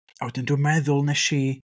A wedyn dwi'n meddwl wnes i...